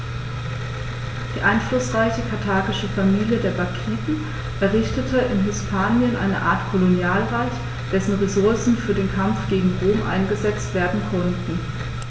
Die einflussreiche karthagische Familie der Barkiden errichtete in Hispanien eine Art Kolonialreich, dessen Ressourcen für den Kampf gegen Rom eingesetzt werden konnten.